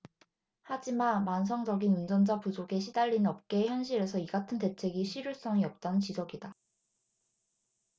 하지만 만성적인 운전자 부족에 시달리는 업계의 현실에서 이 같은 대책이 실효성이 없다는 지적이다